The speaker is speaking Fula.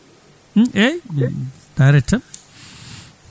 eyyi darete tan